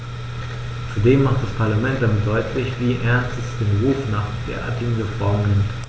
Zudem macht das Parlament damit deutlich, wie ernst es den Ruf nach derartigen Reformen nimmt.